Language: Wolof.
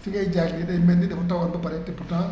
fi ngay jaar mel ni dafa taw ba pare te pourtant